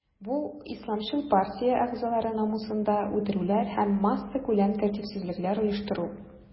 Бу исламчыл партия әгъзалары намусында үтерүләр һәм массакүләм тәртипсезлекләр оештыру.